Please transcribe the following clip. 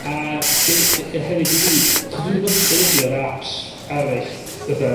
A be' be', yy, hefyd i fi, achos dwi 'di bod yn defnyddio'r aps eryll fatha